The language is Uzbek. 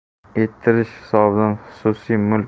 ettirish hisobidan xususiy mulk va xususiy